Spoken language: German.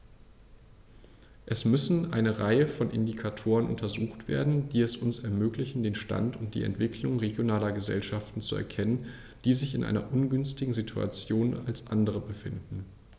Es müssen eine Reihe von Indikatoren untersucht werden, die es uns ermöglichen, den Stand und die Entwicklung regionaler Gesellschaften zu erkennen, die sich in einer ungünstigeren Situation als andere befinden.